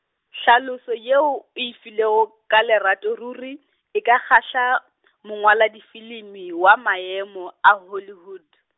tlhaloso yeo, o e filego, ka lerato ruri, e ka kgahla , mongwaladifilimi wa maemo a Hollywood.